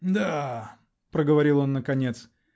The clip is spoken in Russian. -- Н-да, -- проговорил он наконец.